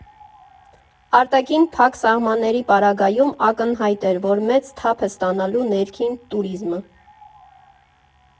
Արտաքին փակ սահմանների պարագայում ակնհայտ էր, որ մեծ թափ է ստանալու ներքին տուրիզմը։